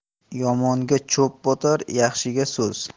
yomonga cho'p botar yaxshiga so'z